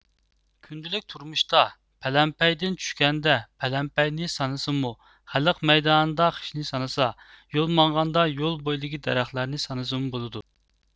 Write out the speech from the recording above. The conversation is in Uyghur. كۈندىلىك تۇرمۇشتا پەلەمپەيدىن چۈشكەندە پەلەمپەينى سانىسىمۇ خەلق مەيدانىدا خىشنى سانىسا يول ماڭغاندا يول بويىدىكى دەرەخلەرنى سانىسىمۇ بولىدۇ